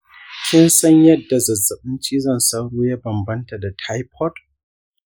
kinsan yanda zazzaɓin cizon sauro ya banbanta da taifoid?